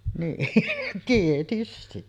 niin tietysti